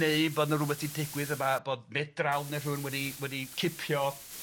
neu bod y'a rwbeth 'di digwydd yma bod Medrawd ne' rhwun wedi wedi cipio